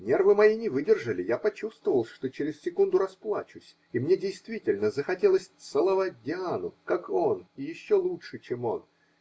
Нервы мои не выдержали, я почувствовал, что через секунду расплачусь, и мне, действительно, захотелось целовать Диану, как он, и еще лучше, чем он.